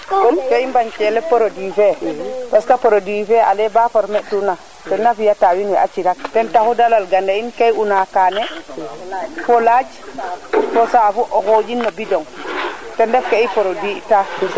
comme ki in mbañ teel produit fe parce que produit fe ale ba former tuuna tena fiya ta wiin we a cira ke ten taxu de lal gana in ke i una kaana fo laaj fo saafu o xooƴin no binong ten ref ke i produit